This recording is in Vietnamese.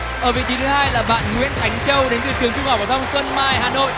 ở vị trí thứ hai là bạn nguyễn ánh châu đến từ trường trung học phổ thông xuân mai hà nội